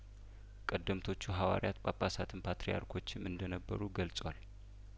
ቀደምቶቹ ሀዋርያት ጳጳሳትም ፓትርያርኮችም እንደነበሩ ገልጿል